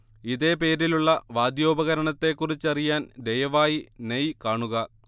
ഇതേ പേരിലുള്ള വാദ്യോപകരണത്തെക്കുറിച്ചറിയാൻ ദയവായി നെയ് കാണുക